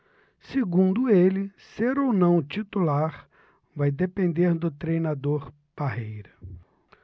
segundo ele ser ou não titular vai depender do treinador parreira